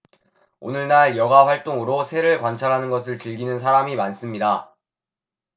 오늘날 여가 활동으로 새를 관찰하는 것을 즐기는 사람이 많습니다